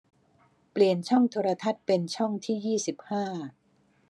เปลี่ยนช่องโทรทัศน์เป็นช่องที่ยี่สิบห้า